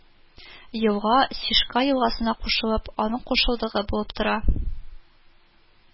Елга Сишка елгасына кушылып, аның кушылдыгы булып тора